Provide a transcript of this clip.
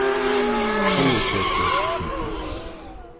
trýogtretivu tingmenn